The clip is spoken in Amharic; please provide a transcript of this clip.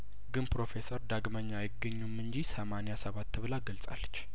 ግን ፕሮፌሰር ዳግመኛ አይገኙም እንጂ ሰማኒያ ሰባት ብላ ገልጻለች